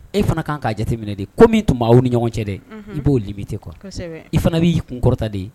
E fana kan k'a jateminɛ de ko min tun maa ni ɲɔgɔn cɛ dɛ i b'olibi tɛ kuwa i fana b'i y'i kun kɔrɔta de ye